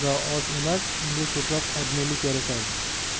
emas unga ko'proq odmilik yarashadi